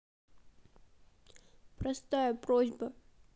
простая просьба